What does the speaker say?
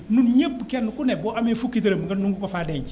ñun ñëpp kenn ku ne boo amee fukki dërëm nga mën ko faa denc